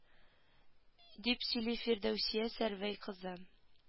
Дип сөйли фирдәүсия сәрвәй кызы